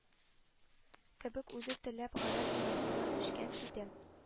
Кебек, үзе теләп гарәп йоласына күчкән иде